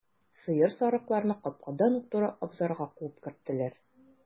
Сыер, сарыкларны капкадан ук туры абзарга куып керттеләр.